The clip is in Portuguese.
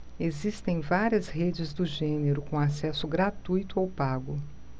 existem várias redes do gênero com acesso gratuito ou pago